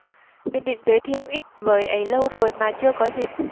mình định giới thiệu x với ấy lâu rồi mà chưa có dịp